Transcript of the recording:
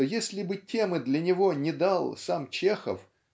что если бы темы для него не дал сам Чехов